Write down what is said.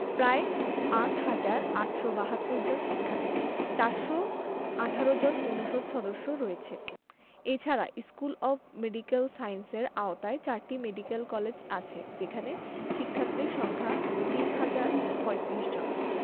প্রায় ৮ হাজার ৮৭২ জন শিক্ষার্থী ৪১৮ জন অনুষদ সদস্য রয়েছে এছাড়া স্কুল অব মেডিক্যাল সায়েন্সের আওতায় চারটি মেডিক্যাল কলেজ আছে যেখানে শিক্ষার্থীর সংখ্যা ৩ হাজার ৩৫ জন